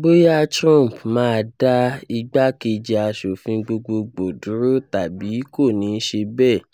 Bóyá Trump máa dá igbákejì àṣòfin gbogbogbò dúró tàbí kò ní ṣe bẹ́ẹ̀,